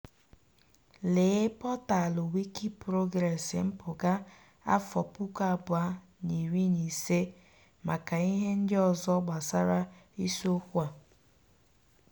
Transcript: Lee pọtalụ Wikiprogress mpụga-2015 maka ihe ndị ọzọ gbasara isiokwu a.